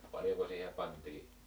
paljonko siihen pantiin